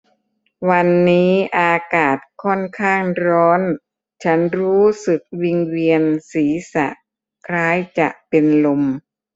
วันนี้อากาศค่อนข้างร้อนฉันรู้สึกวิงเวียนศีรษะคล้ายจะเป็นลม